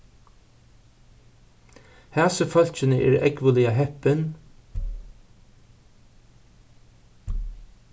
hasi fólkini eru ógvuliga heppin